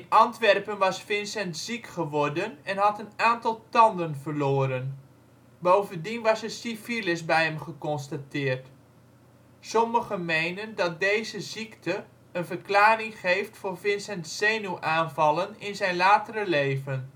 Antwerpen was Vincent ziek geworden en had een aantal tanden verloren. Bovendien was er syfilis bij hem geconstateerd. Sommigen menen dat deze ziekte een verklaring geeft voor Vincents zenuwaanvallen in zijn latere leven